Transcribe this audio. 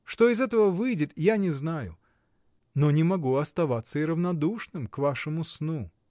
Что из этого выйдет, я не знаю — но не могу оставаться и равнодушным к вашему сну.